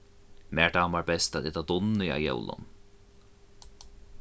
mær dámar best at eta dunnu á jólum